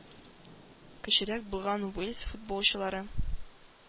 Кечерәк булган уэльс футболчылары